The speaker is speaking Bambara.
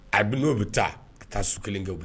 A bi n'o bɛ taa ka taa su kelen kɛ